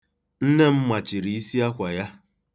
Nne m machiri isi akwa ya.